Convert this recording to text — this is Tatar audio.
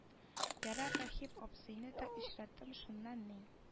Ярар рахип абзыйны да очраттым шуннан ни